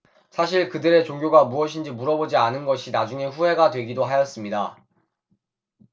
사실 그들의 종교가 무엇인지 물어보지 않은 것이 나중에 후회가 되기도 하였습니다